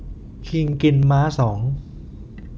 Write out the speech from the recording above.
คิงกินม้าสอง